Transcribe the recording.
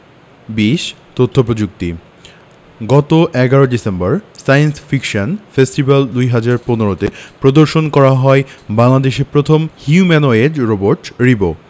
২০ তথ্য প্রযুক্তি গত ১১ ডিসেম্বর সায়েন্স ফিকশন ফেস্টিভ্যাল ২০১৫ তে প্রদর্শন করা হয় বাংলাদেশের প্রথম হিউম্যানোয়েড রোবট রিবো